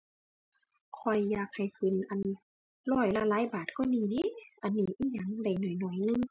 ข้อยอยากให้ขึ้น อันร้อยละหลายบาทกว่านี้แหน่ อันนี้อิหยังได้น้อยน้อยหนึ่ง